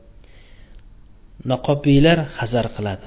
noqobillar xazar kiladi